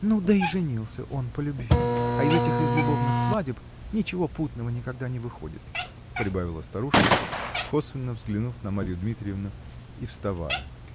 Ну, да и женился он по любви, а из этих из любовных свадеб ничего путного никогда не выходит, -- прибавила старушка, косвенно взглянув на Марью Дмитриевну и вставая.